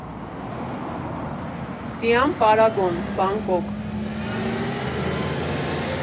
Սիամ Պարագոն, Բանգկոկ։